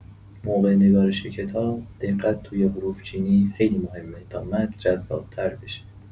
موقع نگارش کتاب، دقت توی حروف‌چینی خیلی مهمه تا متن جذاب‌تر بشه.